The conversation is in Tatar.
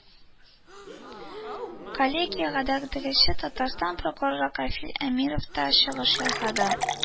Коллегиядә, гадәттәгечә, Татарстан прокуроры Кафил Әмиров та чыгыш ясады